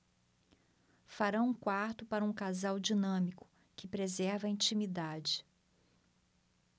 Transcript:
farão um quarto para um casal dinâmico que preserva a intimidade